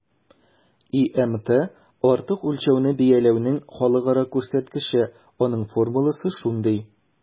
ИМТ - артык үлчәүне бәяләүнең халыкара күрсәткече, аның формуласы шундый: